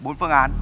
bốn phương án